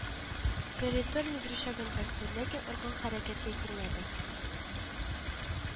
Джерри тормоз рычагын тартты, ләкин аркан хәрәкәткә килмәде